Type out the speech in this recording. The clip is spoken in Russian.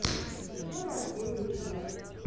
с днем рождения тебя